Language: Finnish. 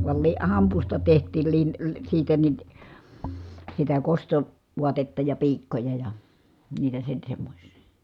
-- hampusta tehtiin - siitä niin sitä - kostovaatetta ja piikkoja ja niitä sen semmoisia